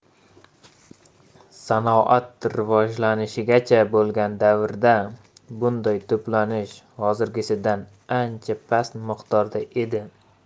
sanoat rivojlanishigacha bo'lgan davrda bunday to'planish hozirgisidan ancha past miqdorda edi